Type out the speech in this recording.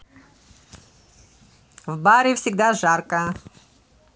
в баре всегда жарко